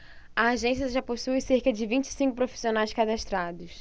a agência já possui cerca de vinte e cinco profissionais cadastrados